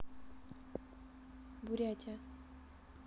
бурятия